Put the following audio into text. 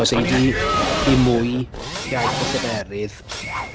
Os ei di i mwy, iaith a lleferydd.